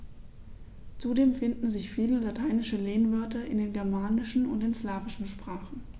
Zudem finden sich viele lateinische Lehnwörter in den germanischen und den slawischen Sprachen.